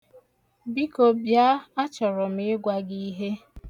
Biko bịa, achọrọ m ịgwa gị ihe.